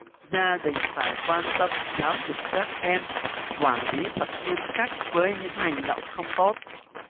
gia đình phải quan tâm giáo dục các em quản lý thật nghiêm khắc với những hành động không tốt